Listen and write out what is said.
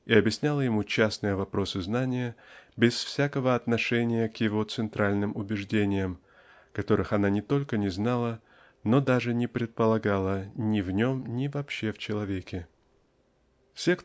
и объясняла ему частные вопросы знания без всякого отношения к его центральным убеждениям которых она не только не знала но даже не предполагала ни в нем ни вообще в человеке. Все